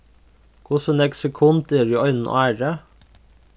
hvussu nógv sekund eru í einum ári